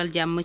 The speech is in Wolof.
waaw